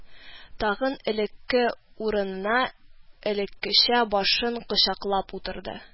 Тагын элекке урынына, элеккечә башын кочаклап утырды